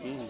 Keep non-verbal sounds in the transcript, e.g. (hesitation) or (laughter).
(hesitation) (hesitation)